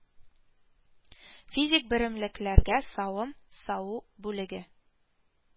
Физик берәмлекләргә салым салу бүлеге